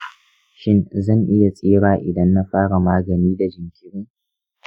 shin zan iya tsira idan na fara magani da jinkiri?